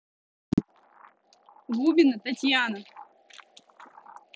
губина татьяна